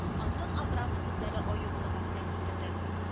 Антон Абрамов үзләре аю булырга теләк белдерде